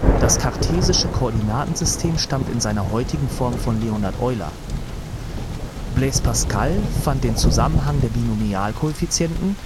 Das kartesische Koordinatensystem stammt in seiner heutigen Form von Leonhard Euler. Blaise Pascal fand den Zusammenhang der Binomialkoeffizienten